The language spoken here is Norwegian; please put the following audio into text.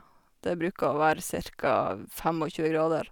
Det bruker å være cirka fem og tjue grader.